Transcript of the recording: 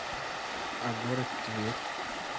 а город тверь